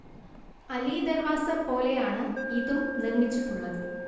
അലിദർവാസ പോലെയാണ് ഇതും നിർമിച്ചിട്ടുള്ളത്